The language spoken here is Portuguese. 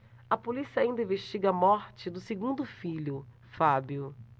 a polícia ainda investiga a morte do segundo filho fábio